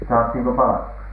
saatiinko palkkaa